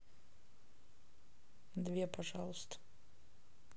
две пожалуйста